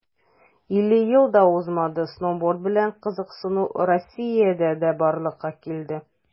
50 ел да узмады, сноуборд белән кызыксыну россиядә дә барлыкка килде.